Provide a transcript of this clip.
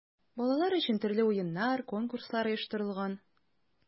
Балалар өчен төрле уеннар, конкурслар оештырылган.